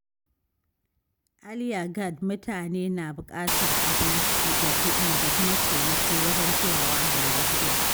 AlyaaGad mutane na buƙatar abinci da kuɗi da kuma taimako wajen kulawa da lafiya.